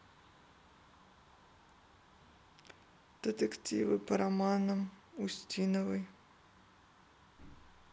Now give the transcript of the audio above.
детективы по романам устиновой